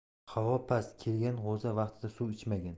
havo past kelgan g'o'za vaqtida suv ichmagan